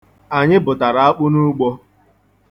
Anyị bụtara akpụ n'ugbo.